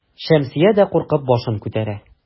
Шәмсия дә куркып башын күтәрә.